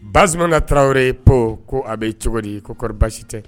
Basi ka tarawele ye paul ko a bɛ cogo di koɔri basi tɛ